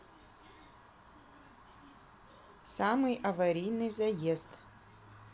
самый аварийный заезд